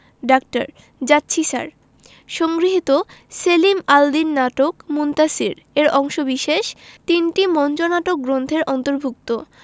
doctor যাচ্ছি sir সংগৃহীত সেলিম আল দীন নাটক মুনতাসীর এর অংশবিশেষ তিনটি মঞ্চনাটক গ্রন্থের অন্তর্ভুক্ত